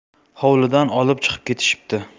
hovlidan olib chiqib ketishibdi